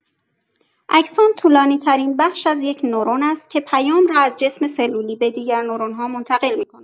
اکسون طولانی‌ترین بخش از یک نورون است که پیام را از جسم سلولی به دیگر نورون‌ها منتقل می‌کند.